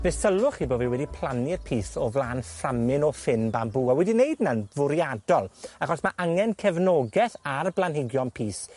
Fe sylwch chi bo' fi wedi plannu'r pys o flan fframyn o ffyn bambŵ, a wedi neud 'na'n fwriadol, achos ma' angen cefnogeth ar y blanhigion pys